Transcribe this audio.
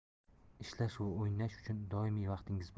ishlash va o'ynash uchun doimiy vaqtingiz bor